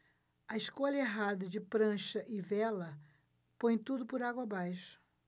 a escolha errada de prancha e vela põe tudo por água abaixo